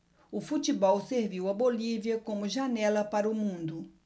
o futebol serviu à bolívia como janela para o mundo